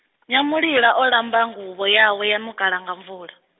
Nyamulila o lamba nguvho yawe ya ṋukala nga mvula.